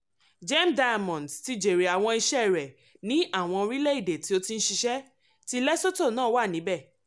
Gem Diamonds ti jèrè àwọn iṣẹ́ rẹ̀ ní àwọn orílẹ̀-èdè tí ó ti ń ṣiṣẹ́, tí Lesotho náà wà níbẹ̀.